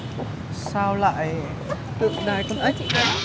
sao lại tượng đài con ếch